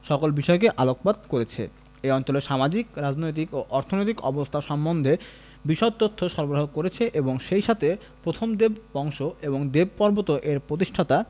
সকল বিষয়েই আলোকপাত করেছে এ অঞ্চলের সামাজিক রাজনৈতিক ও অর্থনৈতিক অবস্থা সম্বন্ধে বিশদ তথ্য সরবরাহ করেছে এবং সেই সাথে প্রথম দেব বংশ ও দেবপর্বত এর প্রতিষ্ঠাতা